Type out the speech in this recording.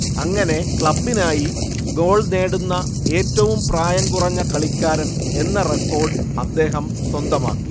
അങ്ങനെ ക്ലബ്ബിനായി ഗോൾ നേടുന്ന ഏറ്റവും പ്രായം കുറഞ്ഞ കളിക്കാരൻ എന്ന റെക്കോർഡ് അദ്ദേഹം സ്വന്തമാക്കി